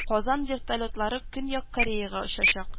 Казан вертолетлары Көньяк Кореяга очачак